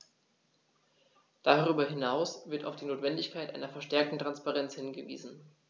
Darüber hinaus wird auf die Notwendigkeit einer verstärkten Transparenz hingewiesen.